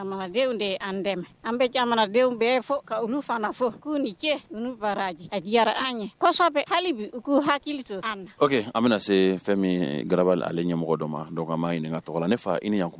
An dɛmɛ an bɛ jamanadenw bɛ fɔ fana fɔ k'u ni ce diyara ansɔ haliu hakili an bɛna se fɛn min graba ale ɲɛmɔgɔ dɔ ma dɔw ka ma ɲininka ka tɔgɔ ne fa ɲini ɲɔgɔn